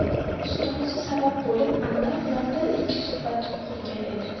ustozi sabab bo'lib anvar bilan bir ikki suhbat qurgan edi